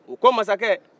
u ko masakɛ